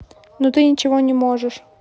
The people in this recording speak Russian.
ну ты ничего не можешь